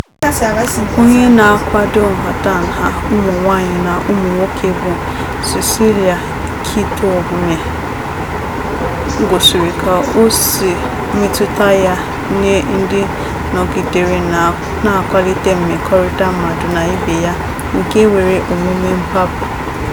Onye na-akwado nhatanha ụmụ nwaanyị na ụmụ nwoke bụ Cecília Kitombé gosiri ka o si metụta ya nye ndị nọgidere na-akwalite mmekọrịta mmadụ na ibe ya nke nwere omume mkpagbu: